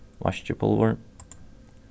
vaskipulvur